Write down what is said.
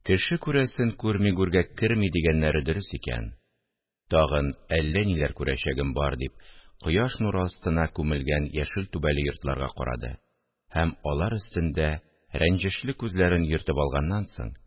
– «кеше күрәсен күрми гүргә керми» дигәннәре дөрес икән, тагын әллә ниләр күрәчәгем бар, – дип, кояш нуры астына күмелгән яшел түбәле йортларга карады һәм, алар өстендә рәнҗешле күзләрен йөртеп алганнан соң: